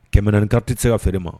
Kɛmɛ ka tɛ se ka fɛ ma